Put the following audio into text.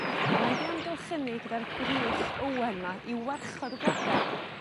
A mae 'di amgylchyni gyda'r gwrych ywen 'ma i warchod y blode